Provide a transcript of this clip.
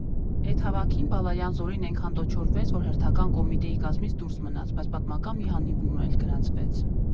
Էդ հավաքին Բալայան Զորին էնքան տոչորվեց, որ հերթական կոմիտեի կազմից դուրս մնաց, բայց պատմական մի հանդիպում էլ գրանցվեց.